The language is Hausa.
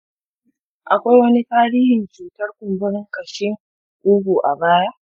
akwai wani tarihin cutar kumburin ƙashin ƙugu a baya?